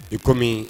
Ikomi